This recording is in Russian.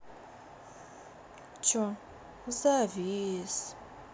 че завис